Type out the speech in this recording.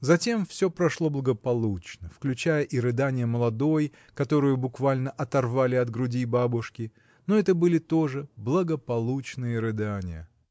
Затем всё прошло благополучно, включая и рыдания молодой, которую буквально оторвали от груди бабушки, — но это были тоже благополучные рыдания.